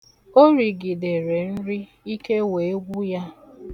O rigidere nri ike wee gwu ya.